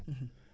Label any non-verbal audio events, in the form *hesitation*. *hesitation* *hesitation*